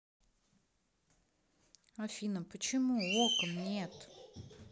афина почему окон нет